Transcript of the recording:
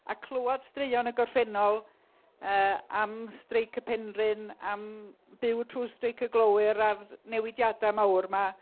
A clywed straeon y gorffennol yy am streic y Penrhyn, am byw trwy streic y glowyr a'r newidiadau mawr 'ma.